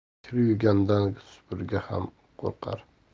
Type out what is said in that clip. kir yuvgandan supurgi ham qo'rqar